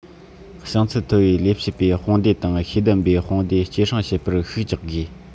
བྱང ཚད མཐོ བའི ལས བྱེད པའི དཔུང སྡེ དང ཤེས ལྡན པའི དཔུང སྡེ སྐྱེད སྲིང བྱེད པར ཤུགས རྒྱག དགོས